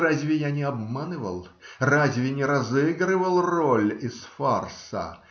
Разве я не обманывал, разве не разыгрывал роль из фарса?